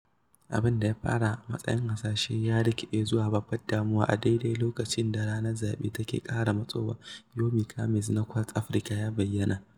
Abin da ya fara a matsayin hasashe ya rikiɗe zuwa babbar damuwa a daidai lokaicn da ranar zaɓe take ƙara matsowa. Yomi Kamez na ƙuartz Africa ya bayyana: